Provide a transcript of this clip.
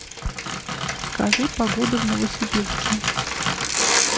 скажи погода в новосибирске